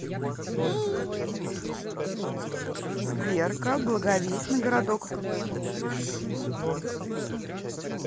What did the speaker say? верка благовесть на городок